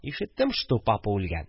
Ишеттем, что папа үлгән